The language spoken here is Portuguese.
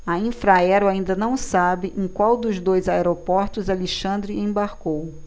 a infraero ainda não sabe em qual dos dois aeroportos alexandre embarcou